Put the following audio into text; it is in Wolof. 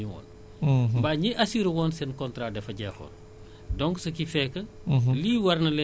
am ci ay ndàmpaay yu ñu joxe te ñooñu seen jur gi dee la majeur partie assurer wu ñu woon